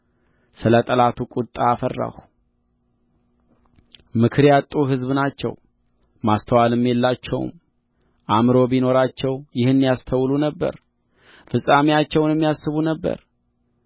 ስለ ጠላቱ ቍጣ ፈራሁ ምክር ያጡ ሕዝብ ናቸው ማስተዋልም የላቸውም አእምሮ ቢኖራቸው ይህንን ያስተውሉ ነበር ፍጻሜያቸውንም ያስቡ ነበር